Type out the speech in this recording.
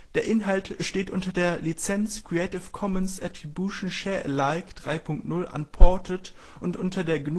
Inhalt steht unter der Lizenz Creative Commons Attribution Share Alike 3 Punkt 0 Unported und unter der GNU